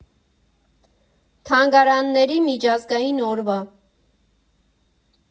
Թանգարանների միջազգային օրվա։